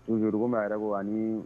Toujours komi a yɛrɛ bɛ k' ani